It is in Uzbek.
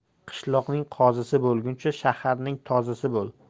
qishloqning qozisi bo'lguncha shaharning tozisi bo'l